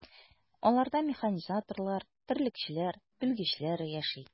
Аларда механизаторлар, терлекчеләр, белгечләр яши.